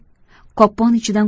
koppon ichidan